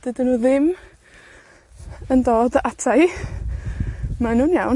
Dydyn nw ddim yn dod ata i, ma' nw'n iawn.